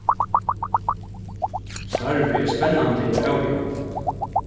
starvið er spennandi og avbjóðandi